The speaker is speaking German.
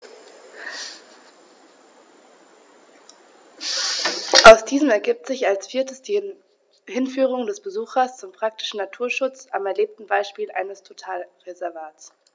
Aus diesen ergibt sich als viertes die Hinführung des Besuchers zum praktischen Naturschutz am erlebten Beispiel eines Totalreservats.